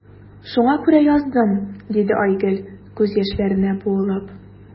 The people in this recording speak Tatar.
Шуңа күрә яздым,– диде Айгөл, күз яшьләренә буылып.